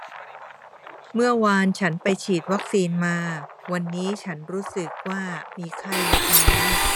เมื่อวานฉันไปฉีดวัคซีนมาวันนี้ฉันรู้สึกว่ามีไข้เล็กน้อย